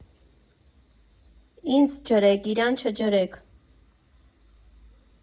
Ինձ ջրեք, իրան չջրեք։